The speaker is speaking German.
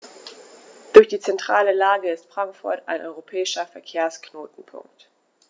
Durch die zentrale Lage ist Frankfurt ein europäischer Verkehrsknotenpunkt.